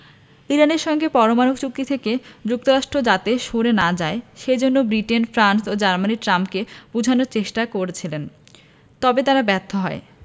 ইরানের সঙ্গে পরমাণু চুক্তি থেকে যুক্তরাষ্ট্র যাতে সরে না যায় সে জন্য ব্রিটেন ফ্রান্স ও জার্মানি ট্রাম্পকে বোঝানোর চেষ্টা করছিলেন তবে তারা ব্যর্থ হয়